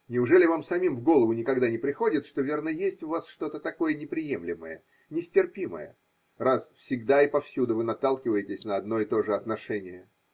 Неужели вам самим в голову никогда не приходит, что верно, есть в вас что-то такое неприемлемое, нестерпимое, раз всегда и повсюду вы наталкиваетесь на одно и то же отношение?